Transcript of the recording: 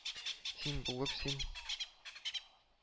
– син булып син